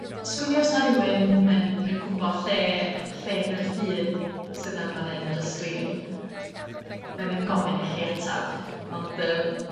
sgwn i os 'na rhywun yn yn gwbod lle lle 'di'r llun sydd lan fan 'yn ar y sgrin? wnai ddim gofyn i chi atab, ond yym